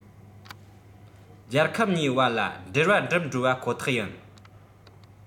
རྒྱལ ཁབ གཉིས བར ལ འབྲེལ བ བསྒྲིབས འགྲོ བ ཁོ ཐག ཡིན